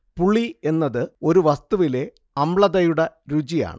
പുളി എന്നത് ഒരു വസ്തുവിലെ അമ്ളതയുടെ രുചി ആണ്